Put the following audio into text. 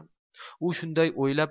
u shunday o'ylab